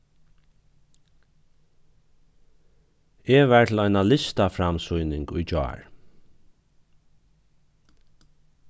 eg var til eina listaframsýning í gjár